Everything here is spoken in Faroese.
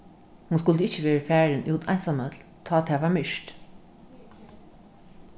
hon skuldi ikki verið farin út einsamøll tá tað var myrkt